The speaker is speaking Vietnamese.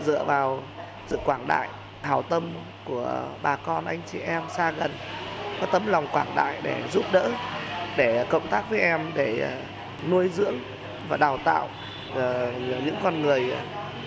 dựa vào sự quảng đại hảo tâm của bà con anh chị em xa gần có tấm lòng quảng đại để giúp đỡ để cộng tác với em để nuôi dưỡng và đào tạo nhờ những con người